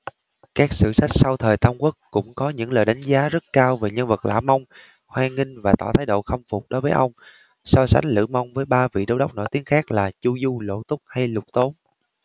các sử sách sau thời tam quốc cũng có những lời đánh giá rất cao về nhân vật lã mông hoan nghênh và tỏ thái độ khâm phục đối với ông so sánh lã mông với ba vị đô đốc nổi tiếng khác là chu du lỗ túc hay lục tốn